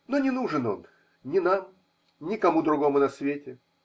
Но не нужен он ни нам, ни кому другому на свете.